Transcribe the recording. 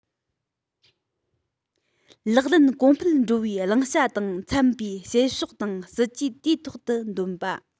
ལག ལེན གོང འཕེལ འགྲོ བའི བླང བྱ དང འཚམ པའི བྱེད ཕྱོགས དང སྲིད ཇུས དུས ཐོག ཏུ འདོན པ